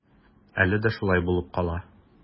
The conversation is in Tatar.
Әле дә шулай булып кала.